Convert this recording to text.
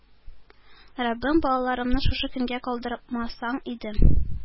Раббем, балаларымны шушы көнгә калдырыпмасаң иде,